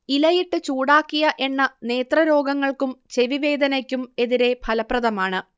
ഇലയിട്ട് ചൂടാക്കിയ എണ്ണ നേത്രരോഗങ്ങൾക്കും ചെവിവേദനയ്ക്കും എതിരെ ഫലപ്രദമാണ്